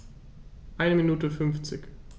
Eine Minute 50